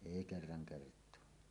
ei kerran kertaa